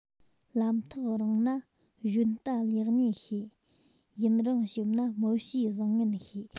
ལམ ཐག རིང ན བཞོན རྟ ལེགས ཉེས ཤེས ཡུན རིང གཤིབས ན མི གཤིས བཟང ངན ཤེས